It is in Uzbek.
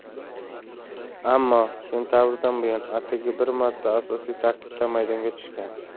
ammo sentabrdan buyon atigi bir marta asosiy tarkibda maydonga tushgan